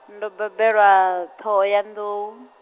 ndo bebelwa, Ṱhohoyanḓou.